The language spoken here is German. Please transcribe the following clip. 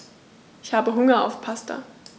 Ich habe Hunger auf Pasta.